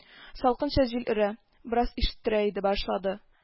Салкынча җил өрә, бераз өшеттерә дә башлады